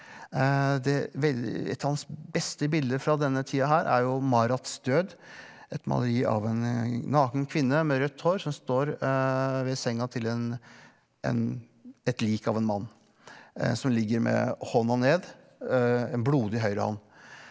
det et av hans beste bilder fra denne tida her er jo Marats død et maleri av en naken kvinne med rødt hår som står ved senga til en en et lik av en mann som ligger med hånda ned en blodig høyrehånd.